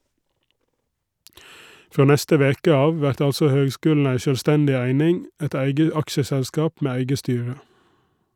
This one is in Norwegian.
Frå neste veke av vert altså høgskulen ei sjølvstendig eining , eit eige aksjeselskap med eige styre.